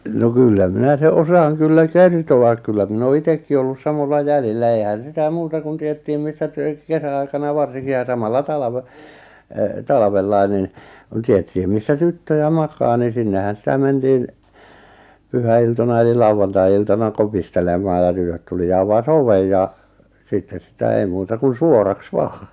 no kyllä minä sen osaan kyllä kertoa kyllä minä olen itsekin ollut samoilla jäljillä eihän sitä muuta kun tiedettiin missä tytöt kesäaikana varsinkin ja samalla talvena - talvella niin niin tiedettiin missä tyttöjä makaa niin sinnehän sitä mentiin pyhäiltoina eli lauantai-iltana kopistelemaan ja tytöt tuli ja avasi oven ja sitten sitä ei muuta kuin suoraksi vain